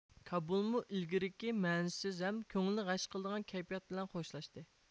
كابۇلمۇ ئىلگىرىكى مەنىسىز ھەم كۆڭۈلنى غەش قىلىدىغان كەيپىيات بىلەن خوشلاشتى